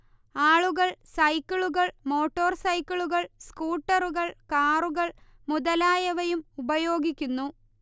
ആളുകൾ സൈക്കിളുകൾ മോട്ടോർ സൈക്കിളുകൾ സ്കൂട്ടറുകൾ കാറുകൾ മുതലായവയും ഉപയോഗിക്കുന്നു